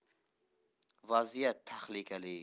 vaziyat tahlikali